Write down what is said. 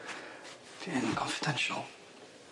'Di e'n confidential?